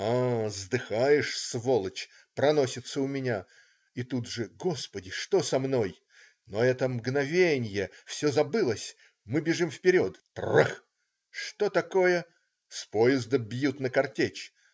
"А, сдыхаешь, сволочь!" - проносится у меня и тут же: "Господи, что со мной?" Но это мгновенье. Все забылось. Мы бежим вперед. Тррах! Что такое? С поезда бьют на картечь.